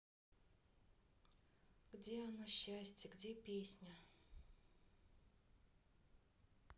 где оно счастье где песня